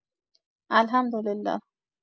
الحمدالله